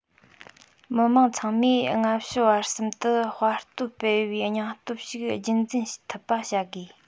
མི དམངས ཚང མས སྔ ཕྱི བར གསུམ དུ དཔའ སྤོབས འཕེལ བའི སྙིང སྟོབས ཤིག རྒྱུན འཛིན ཐུབ པ བྱ དགོས